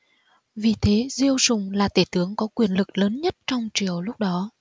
vì thế diêu sùng là tể tướng có quyền lực lớn nhất trong triều lúc đó